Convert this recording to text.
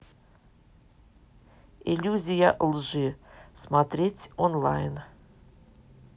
иллюзия лжи смотреть онлайн